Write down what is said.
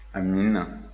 amiina